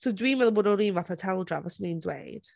So dwi'n meddwl bod nhw'r un math o taldra, fyswn i'n dweud.